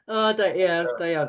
O d- ia da iawn.